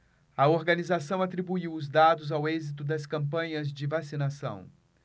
a organização atribuiu os dados ao êxito das campanhas de vacinação